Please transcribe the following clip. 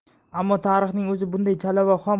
ammo tarixning o'zi bunday chala va